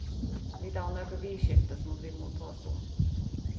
vit hava nøkur viðurskifti sum vit mugu tosa um